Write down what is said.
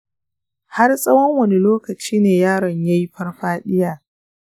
har tsawon wane lokaci ne yaron ya yi farfadiya ?